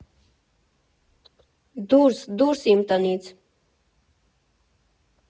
Դո՛ւրս, դո՛ւրս իմ տնից։